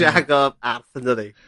...shago arth o'd odd 'i?